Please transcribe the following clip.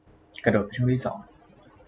กระโดดไปสองช่อง